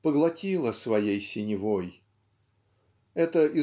"поглотило своей синевой" (это